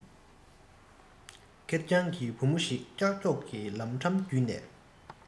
ཁེར རྐྱང གི མི བུ ཞིག ཀྱག ཀྱོག གི ལམ འཕྲང རྒྱུད ནས